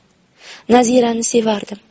nazirani sevardim